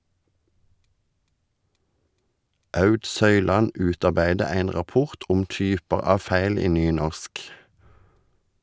Aud Søyland utarbeidde ein rapport om typar av feil i nynorsk.